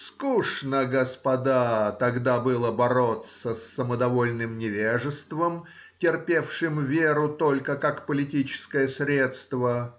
Скучно, господа, тогда было бороться с самодовольным невежеством, терпевшим веру только как политическое средство